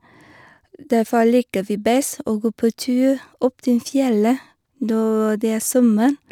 Derfor liker vi best å gå på tur opp til fjellet når det er sommer.